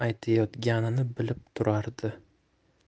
aytayotganini bilib turardi